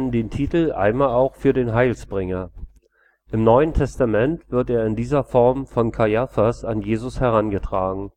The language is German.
den Titel einmal auch für den Heilsbringer. Im NT wird er in dieser Form von Kajaphas an Jesus herangetragen